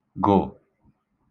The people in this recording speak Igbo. gụ̀